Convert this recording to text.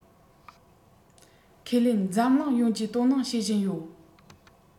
ཁས ལེན འཛམ གླིང ཡོངས ཀྱིས དོ སྣང བྱེད བཞིན ཡོད